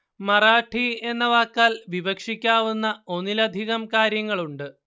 മറാഠി എന്ന വാക്കാൽ വിവക്ഷിക്കാവുന്ന ഒന്നിലധികം കാര്യങ്ങളുണ്ട്